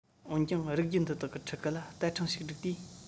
འོན ཀྱང རིགས རྒྱུད འདི དག གི ཕྲུ གུ ལ བསྟར ཕྲེང ཞིག བསྒྲིགས དུས